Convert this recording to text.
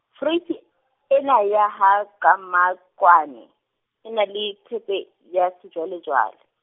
Foreisi , ena ya ha Qhamakwane, e na le thepa, ya sejwalejwale.